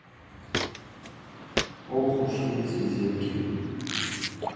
ох уж эти детки